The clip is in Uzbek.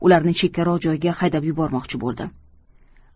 ularni chekkaroq joyga haydab yubormoqchi bo'ldim